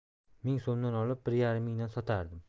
ming so'mdan olib bir yarim mingdan sotardim